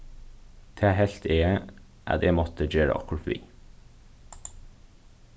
tað helt eg at eg mátti gera okkurt við